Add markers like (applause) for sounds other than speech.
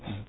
(hesitation) (hesitation)